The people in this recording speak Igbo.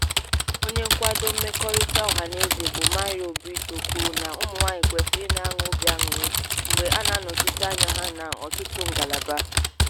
Onye nkwado mmekọrịta ọhanaeze bụ Mauro Brito kwukwara na ụmụnwaanyị kwesịrị inwe obi aṅụrị""mgbe a na-anọchite anya ha n'ọtụtụ ngalaba":"